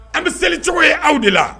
An bɛ seli cogo ye aw de la